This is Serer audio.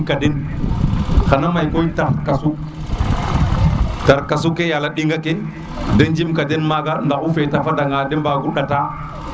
nu jim ka den xana may koy tar kasu tar kasu ke yala ɗinga ke de njim ka den maga ndaxa feda fada nga de bago ndata